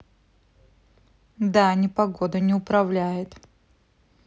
да непогода не управляет